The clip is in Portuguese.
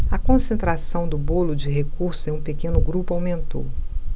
a concentração do bolo de recursos em um pequeno grupo aumentou